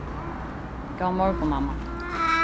góðan morgun mamma